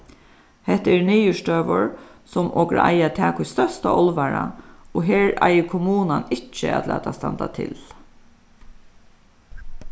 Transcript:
hetta eru niðurstøður sum okur eiga at taka í størsta álvara og her eigur kommunan ikki at lata standa til